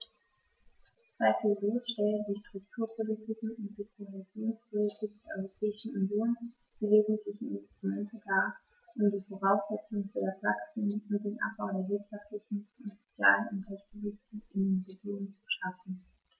Zweifellos stellen die Strukturpolitiken und die Kohäsionspolitik der Europäischen Union die wesentlichen Instrumente dar, um die Voraussetzungen für das Wachstum und den Abbau der wirtschaftlichen und sozialen Ungleichgewichte in den Regionen zu schaffen.